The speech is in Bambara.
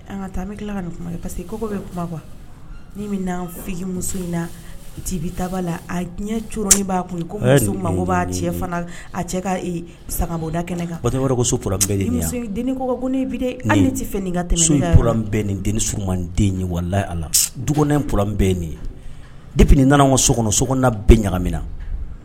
An taa kumamuso in ta la'a a cɛ sanbonda kɛnɛ kan so den ne tɛ fɛn so nin den manden ye wala a du p bɛ nin ye nana sokɔnɔ so bɛ ɲagamina na